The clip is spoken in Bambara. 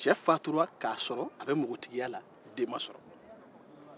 cɛ fatura k'a to npogotigiya la den ma sɔrɔ